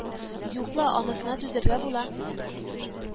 Юк ла, анысына түзәргә була